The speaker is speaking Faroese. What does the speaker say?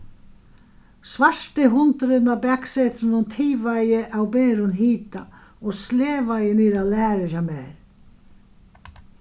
svarti hundurin á baksetrinum tivaði av berum hita og slevaði niður á lærið hjá mær